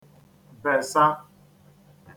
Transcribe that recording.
bèsa